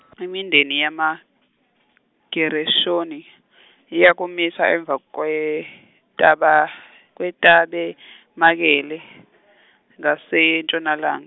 imindeni yamaGereshoni iyakumisa emva kwetaba- kwetabemakele ngasentshonalang-.